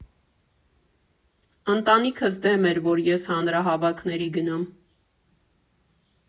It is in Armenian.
Ընտանիքս դեմ էր, որ ես հանրահավաքների գնամ։